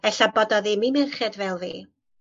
Ella bod o ddim i merched fel fi.